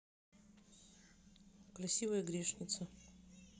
красивая грешница